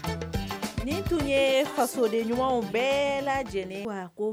Nin tun ye fasoden ɲumanw bɛɛ lajɛlen